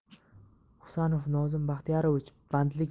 husanov nozim baxtiyorovich bandlik